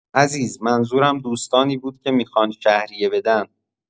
عزیز منظورم دوستانی بود که میخوان شهریه بدن.